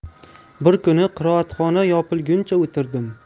bir kuni qiroatxona yopilguncha o'tirdim